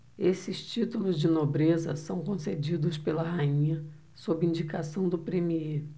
esses títulos de nobreza são concedidos pela rainha sob indicação do premiê